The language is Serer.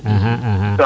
axa axa